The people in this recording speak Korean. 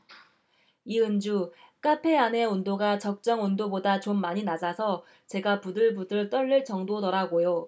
이은주 카페 안에 온도가 적정 온도보다 좀 많이 낮아서 제가 부들부들 떨릴 정도더라고요